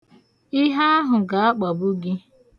Ihe ahụ ga-akpagbu gị.